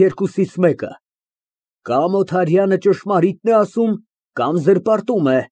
Երկուսից մեկ ֊ կամ Օթարյանը ճշմարիտ է ասում, կամ զրպարտում է։